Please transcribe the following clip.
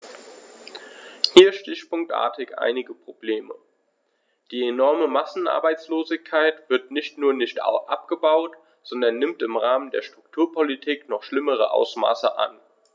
Hier stichpunktartig einige Probleme: Die enorme Massenarbeitslosigkeit wird nicht nur nicht abgebaut, sondern nimmt im Rahmen der Strukturpolitik noch schlimmere Ausmaße an.